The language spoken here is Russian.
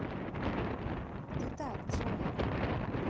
ты так джой